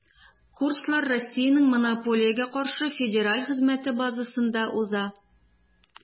Курслар Россиянең Монополиягә каршы федераль хезмәте базасында уза.